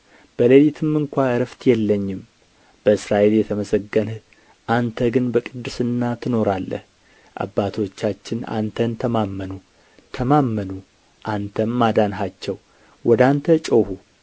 በሌሊትም እንኳ ዕረፍት የለኝም በእስራኤል የተመሰገንህ አንተ ግን በቅድስና ትኖራለህ አባቶቻችን አንተን ተማመኑ ተማመኑ አንተም አዳንሃቸው ወደ አንተ ጮኹ